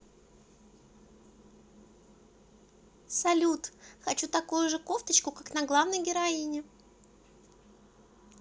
салют хочу такую же кофточку как на главной героини